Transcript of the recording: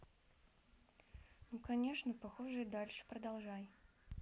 ну конечно похоже и дальше продолжай